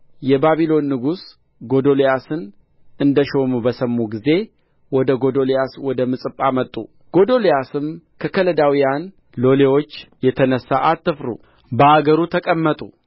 የባቢሎን ንጉሥ ጎዶልያስን እንደ ሾመ በሰሙ ጊዜ ወደ ጎዶልያስ ወደ ምጽጳ መጡ ጎዶልያስም ከከለዳውያን ሎሌዎች የተነሣ አትፍሩ በአገሩ ተቀመጡ